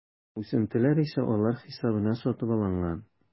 Үсентеләр исә алар хисабына сатып алынган.